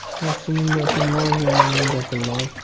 yaxshining gapi moy yomonning gapi loy